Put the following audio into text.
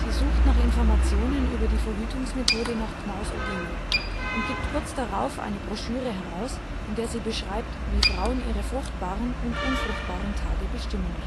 sucht nach Informationen über die Verhütungsmethode nach Knaus-Ogino und gibt kurz darauf eine Broschüre heraus in der sie beschreibt, wie Frauen ihre fruchtbaren und unfruchtbaren Tage bestimmen